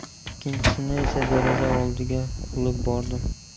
ikkinchisini esa deraza oldiga olib bordim